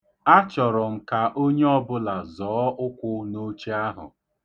Achọrọ m ka onye ọbụla zọọ ụkwụ n'oche ahụ